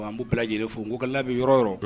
B'opi lajɛlen fo n'o ka labɛnbi yɔrɔ yɔrɔ